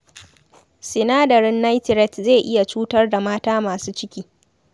Sinadarin Nitiret zai iya cutar da mata masu ciki.